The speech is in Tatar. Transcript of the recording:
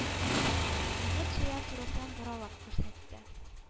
Минәт чигә турысын бораулап күрсәтте